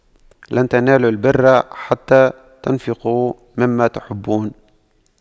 لَن تَنَالُواْ البِرَّ حَتَّى تُنفِقُواْ مِمَّا تُحِبُّونَ